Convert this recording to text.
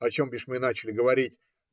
О чем, бишь, мы начали говорить?